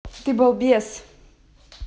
ты балбес